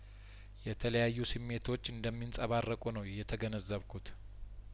የተለያዩ ስሜቶች እንደሚንጸባረቁ ነው የተገነዘብኩት